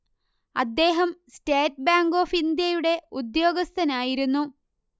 അദ്ദേഹം State Bank of ഇന്ത്യയുടെ ഉദ്യ്യോഗസ്ഥനായിരുന്നു